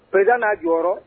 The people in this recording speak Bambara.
Pd n'a jɔyɔrɔ rɔ